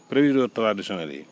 prévisions traditionnelles yi